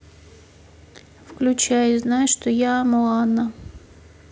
включай знаешь что я моана